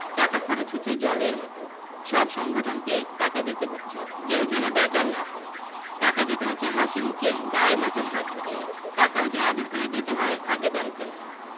টাকা খরচ হচ্ছে জলের মত সব সংগঠনকে টাকা দিতে হচ্ছে কেউ যেন বেজার না হয় টাকা দিতে হচ্ছে হাসিমুখে গায়ে মাথায় হাত বুলিয়ে টাকাও যে আদর করে দিতে হয় আগে জানতেন না